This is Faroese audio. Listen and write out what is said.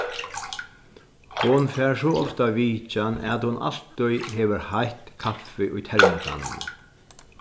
hon fær so ofta vitjan at hon altíð hevur heitt kaffi í termokannuni